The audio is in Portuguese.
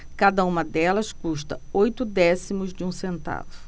cada uma delas custa oito décimos de um centavo